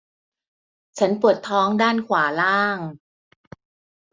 ฉันปวดท้องด้านขวาล่าง